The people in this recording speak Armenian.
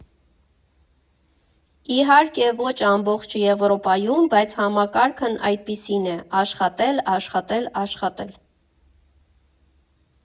Իհարկե, ոչ ամբողջ Եվրոպայում, բայց համակարգն այդպիսին է՝ աշխատել, աշխատել, աշխատել։